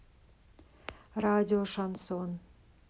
радио шансон